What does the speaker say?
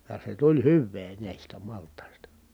ja se tuli hyvää näistä maltaista